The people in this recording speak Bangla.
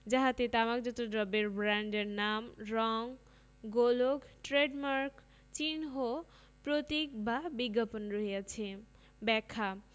যাহাতে তামাকজাত দ্রব্যের ব্রান্ডের নাম রং গোলোগ ট্রেডমার্ক চিহ্ন প্রতীক বা বিজ্ঞাপন রহিয়াছে ব্যাখ্যা